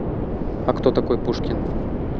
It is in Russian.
а кто такой пушкин